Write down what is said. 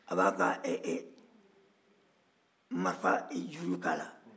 a b'a ka marifa juru kala